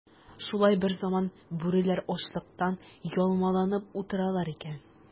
Шулай берзаман бүреләр ачлыктан ялманып утыралар икән.